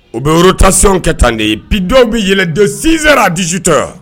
O bɛro tasɛw kɛ tan de ye bidon bɛɛlɛndon sinzr a disitɔ